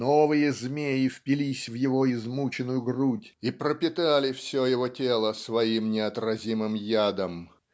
Новые змеи впились в его измученную грудь и пропитали все его тело своим неотразимым ядом.